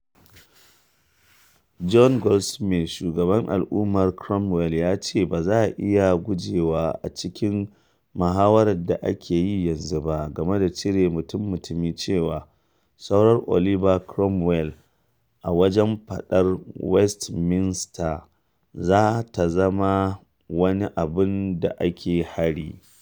John Goldsmith, shugaban Al’ummar Cromwell, ya ce: “Ba za a iya gujewa a cikin mahawarar da ake yi yanzu ba game da cire mutum-mutumi cewa surar Oliver Cromwell a wajen Fadar Westminster za ta zama wani abin da ake hari.